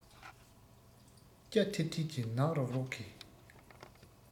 སྐྱ ཐེར ཐེར གྱི ནག རོག རོག གི